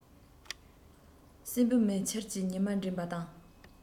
སྲིན བུ མེ ཁྱེར གྱིས ཉི མར འགྲན པ དང